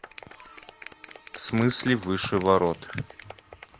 в смысле выше ворот